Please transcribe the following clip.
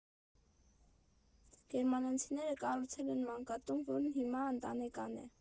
Գերմանացիները կառուցել են մանկատուն, որն հիմա ընտանեկան է։